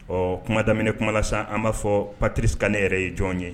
Ɔ kuma da kumala sisan an b'a fɔ paprisik ne yɛrɛ ye jɔn ye